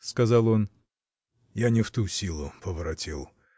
— сказал он, — я не в ту силу поворотил.